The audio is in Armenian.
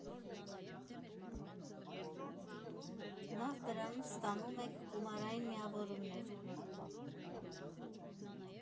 Նախ՝ դրանից ստանում եք գումարային միավորներ։